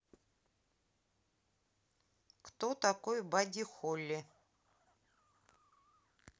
кто такой бадди холли